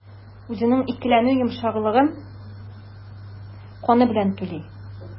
Үзенең икеләнү йомшаклыгын каны белән түли.